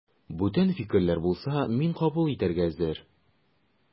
Бүтән фикерләр булса, мин кабул итәргә әзер.